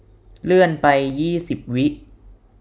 เลื่อนไปยี่สิบวิ